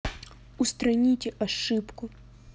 устраните ошибку